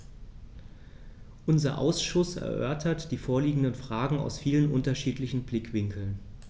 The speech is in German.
Unser Ausschuss erörtert die vorliegenden Fragen aus vielen unterschiedlichen Blickwinkeln.